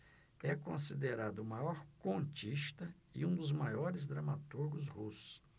é considerado o maior contista e um dos maiores dramaturgos russos